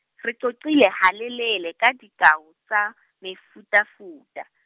re qoqile ha lelele ka, dikao tsa mefutafuta.